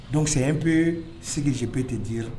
Dɔnku sɛ bɛ sigisi pe ten d'i yɔrɔ